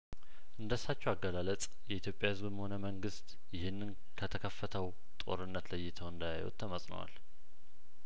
እንደ እሳቸው አገላለጽ የኢትዮጵያ ህዝብም ሆነ መንግስት ይህንን ከተከፈተው ጦርነት ለይተው እንዳ ያዩት ተማጽነዋል